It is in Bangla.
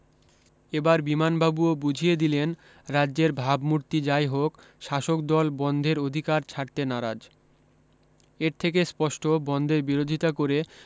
এবার বিমানবাবুও বুঝিয়ে দিলেন রাজ্যের ভাবমূর্তি যাইহোক শাসক দল বন্ধের অধিকার ছাড়তে নারাজ এর থেকে স্পস্ট বন্ধের বিরোধিতা করে